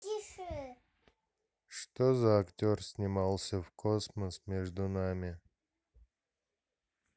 что за актер снимался в космос между нами